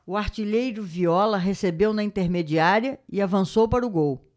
o artilheiro viola recebeu na intermediária e avançou para o gol